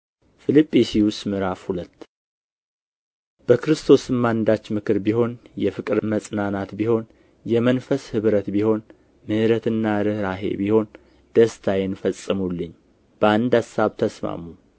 ፊልጵስዩስ ምዕራፍ ሁለት በክርስቶስም አንዳች ምክር ቢሆን የፍቅር መጽናናት ቢሆን የመንፈስ ኅብረት ቢሆን ምሕረትና ርኅራኄ ቢሆኑ ደስታዬን ፈጽሙልኝ በአንድ አሳብ ተስማሙ